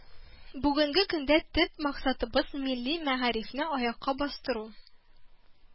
Бүгенге көндә төп максатыбыз милли мәгарифне аякка бастыру